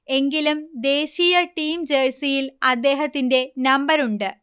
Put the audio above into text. എങ്കിലും, ദേശീയ ടീം ജഴ്സിയിൽ അദ്ദേഹത്തിന്റെ നമ്പരുണ്ട്